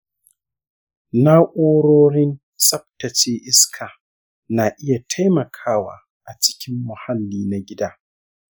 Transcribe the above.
na’urorin tsaftace iska na iya taimakawa a cikin muhalli na gida.